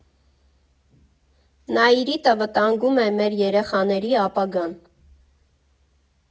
«Նաիրիտը վտանգում է մեր երեխաների ապագան»։